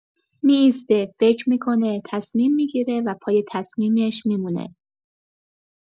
می‌ایسته، فکر می‌کنه، تصمیم می‌گیره و پای تصمیمش می‌مونه.